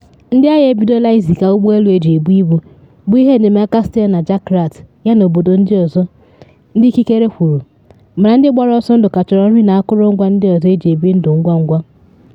Ndị agha ebidola iziga ụgbọ elu eji ebu ibu bu ihe enyemaka sitere na Jakarta yana obodo ndị ọzọ, ndị ikikere kwuru, mana ndị gbara ọsọ ndụ ka chọrọ nri na akụrụngwa ndị ọzọ eji ebi ndụ ngwangwa.